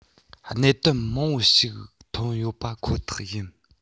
གནད དོན མང པོ ཞིག ཐོན ཡོད པ ཁོ ཐག ཡིན